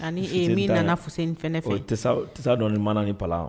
Ani ee min nana Fuseni fɛnɛ fe yen o te tesa o tesa dɔ ni mana ni palan